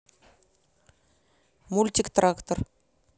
мультик трактор